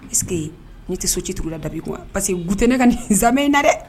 Parceseke n'i tɛ so ciugu la da bi i parce que gt ne ka nin n zansa dɛ dɛ